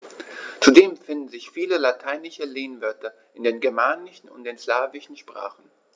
Zudem finden sich viele lateinische Lehnwörter in den germanischen und den slawischen Sprachen.